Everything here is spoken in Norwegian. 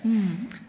ja.